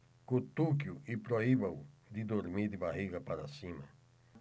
cutuque-o e proíba-o de dormir de barriga para cima